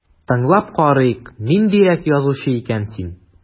Тыңлап карыйк, ниндирәк язучы икән син...